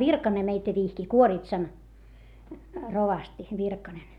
Virkanen meitä vihki Kuoritsan rovasti Virkanen